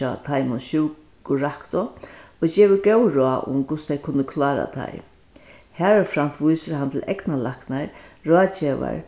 hjá teimum sjúkuraktu og gevur góð ráð um hvussu tey kunnu klára teir harumframt vísir hann til eygnalæknar ráðgevar